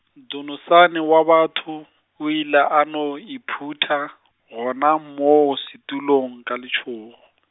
Dunusani wa batho, o ile a no iphutha gona moo setulong ka letšhogo.